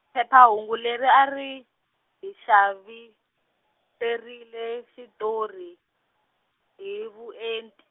phephahungu leri a ri, hi xaviserile xitori, hi vuent-.